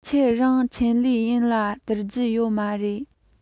ཁྱེད རང ཆེད ལས ཡིན ལ བསྡུར རྒྱུ ཡོད མ རེད